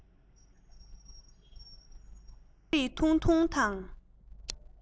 རྩོམ རིག ཐུང ཐུང དང